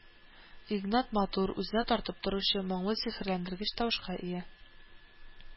Игнат матур, үзенә тартып торучы, моңлы, сихерләндергеч тавышка ия